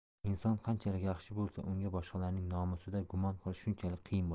inson qanchalik yaxshi bo'lsa unga boshqalarning nomusida gumon qilish shunchalik qiyin bo'ladi